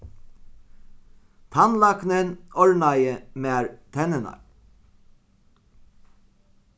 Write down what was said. tannlæknin orðnaði mær tenninar